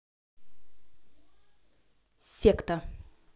секта